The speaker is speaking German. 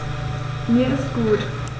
Mir ist gut.